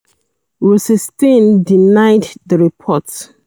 Rosenstein denied the report.